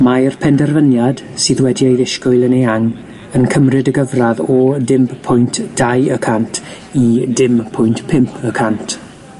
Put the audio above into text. Mae'r penderfyniad sydd wedi ei ddisgwyl yn eang yn cymryd y gyfradd o dim pwynt dau y cant i dim pwynt pump y cant.